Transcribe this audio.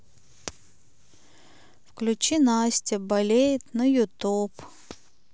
включи настя болеет на ютуб